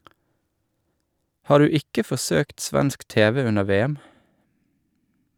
Har du ikke forsøkt svensk TV under VM?